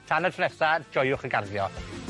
Tan y tro nesa, joiwch y garddio.